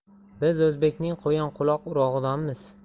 biz o'zbekning qo'yanquloq urug'idanmiz